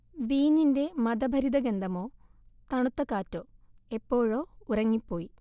വീഞ്ഞിന്റെ മദഭരിത ഗന്ധമോ, തണുത്ത കാറ്റോ, എപ്പോഴോ ഉറങ്ങിപ്പോയി